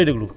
waaw